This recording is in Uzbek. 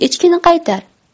echkini qaytar